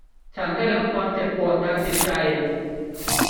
ฉันได้รับความเจ็บปวดทางจิตใจ